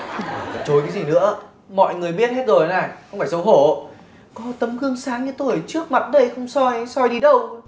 còn chối cái gì nữa mọi người biết hết rồi đây này không phải xấu hổ có tấm gương sáng như tôi trước mặt đây không soi soi đi đâu